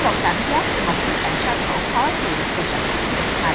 có một cảm giác về một khía cạnh sao thổ khó hiểu về sao thủy nghịch hành